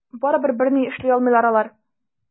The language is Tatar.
Барыбер берни эшли алмыйлар алар.